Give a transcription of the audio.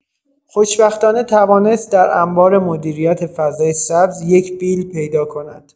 خوشبختانه توانست در انبار مدیریت فضای سبز یک بیل پیدا کند.